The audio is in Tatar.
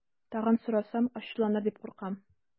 Тагын сорасам, ачуланыр дип куркам.